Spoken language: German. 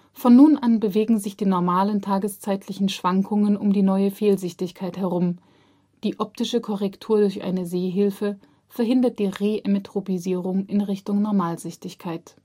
Von nun an bewegen sich die normalen tageszeitlichen Schwankungen um die neue Fehlsichtigkeit herum, die optische Korrektur durch eine „ Sehhilfe “verhindert die Re-Emmetropisierung in Richtung Normalsichtigkeit